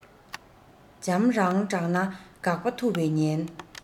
འཇམ རང དྲགས ན འགག པ ཐུག པའི ཉེན